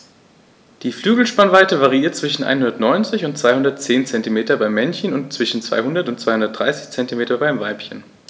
Die Flügelspannweite variiert zwischen 190 und 210 cm beim Männchen und zwischen 200 und 230 cm beim Weibchen.